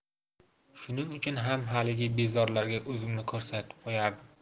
shuning uchun ham haligi bezorilarga o'zimni ko'rsatib qo'yardim